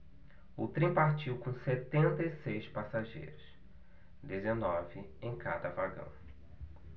o trem partiu com setenta e seis passageiros dezenove em cada vagão